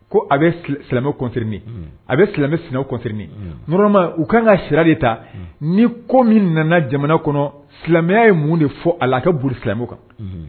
Ko a silamɛ a bɛ silamɛ sina kɔserma u kan ka sira de ta ni ko min nana jamana kɔnɔ silamɛya ye mun de fɔ a la a kauru silamɛ kan